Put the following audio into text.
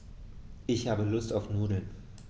Ich habe Lust auf Nudeln.